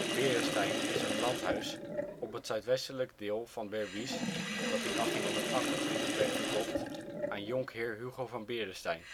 Beresteyn is een landhuis op het zuidwestelijk deel van Berbice dat in 1828 werd verkocht aan jonkheer Hugo van Beresteyn